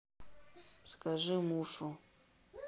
скажи мушу